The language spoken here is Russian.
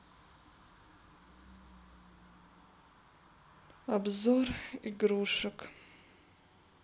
обзор игрушек